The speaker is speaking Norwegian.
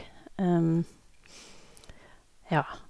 Ja.